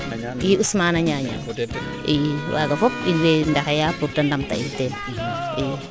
i ousmane a Nianiane i waaga fop in mbexeya pour de ndamta in i